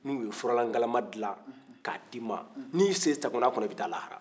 n'u ye furalan galama dilan k'a d'i ma n'i sen sagonna a kunna i bɛ taa lahara